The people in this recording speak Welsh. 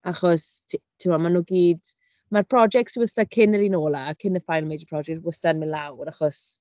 Achos t- timod ma' nhw gyd... Ma'r projects sy wastad cyn yr un olaf, cyn y final major project wastad yn mynd lawr, achos..